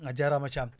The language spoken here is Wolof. Thiam